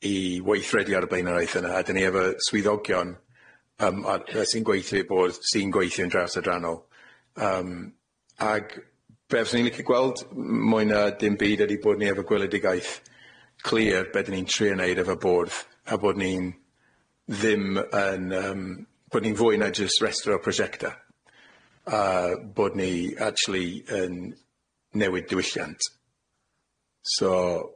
i weithredu ar y blaenoriaethau 'na a 'dyn ni efo swyddogion yym ar yy sy'n gweithio i bwrdd sy'n gweithio yn draws-adrannol yym ag be' fyswn i'n licio gweld m- m- mwy na dim byd ydi bod ni efo gweledigaeth clir be' 'dyn ni'n trio 'neud efo bwrdd a bod ni ddim yn yym bod ni'n fwy na jyst restro prosiecta' a bod ni actually yn newid diwylliant so,